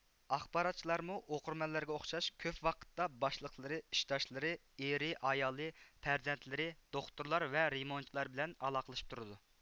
ئاخباراتچىلارمۇ ئوقۇرمەنلەرگە ئوخشاش كۆپ ۋاقىتتا باشلىقلىرى ئىشداشلىرى ئېرى ئايالى پەرزەنتلىرى دوختۇرلار ۋە رېمونتچىلار بىلەن ئالاقىلىشىپ تۇرىدۇ